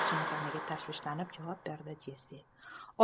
rostakamiga tashvishlanib javob berdi jessi